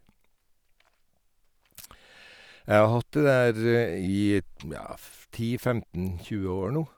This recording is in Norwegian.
Jeg har hatt det der i, ja, f ti femten tjue år nå.